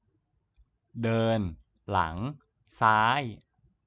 เดินหลังซ้าย